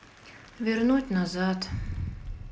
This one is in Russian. вернуть назад